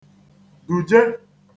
dùje